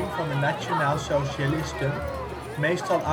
van de nationaalsocialisten, meestal